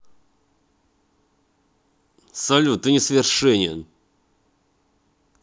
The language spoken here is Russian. салют ты несовершенен